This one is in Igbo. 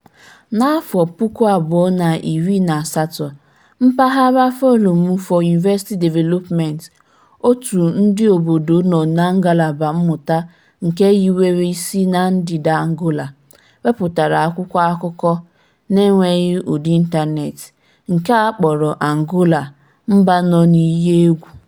Na 2018, Mpaghara Forum for University Development (FORDU), òtù ndịobodo nọ na ngalaba mmụta nke hiwere isi na ndịda Angola, wepụtara akwụkwọ akụkọ (n'enweghị ụdị ịntaneetị) nke a kpọrọ “Angola, mba nọ n'ihe egwu”.